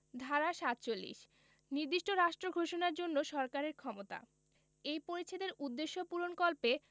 ধারা ৪৭ নির্দিষ্ট রাষ্ট্র ঘোষণার জন্য সরকারের ক্ষমতা এই পরিচ্ছেদের উদ্দেশ্য পূরণকল্পে